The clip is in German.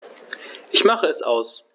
Ich mache es aus.